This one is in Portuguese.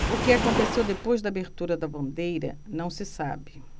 o que aconteceu depois da abertura da bandeira não se sabe